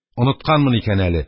Онытканмын икән әле,